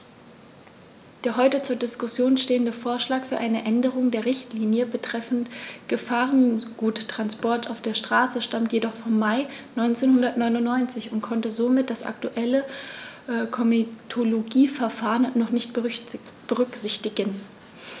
Der heute zur Diskussion stehende Vorschlag für eine Änderung der Richtlinie betreffend Gefahrguttransporte auf der Straße stammt jedoch vom Mai 1999 und konnte somit das aktuelle Komitologieverfahren noch nicht berücksichtigen.